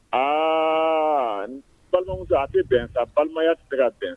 Aa balima a bɛ bɛn ka balimaya tɛ tigɛ ka a bɛn